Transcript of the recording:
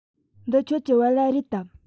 འདི ཁྱོད ཀྱི བལ ལྭ རེད དམ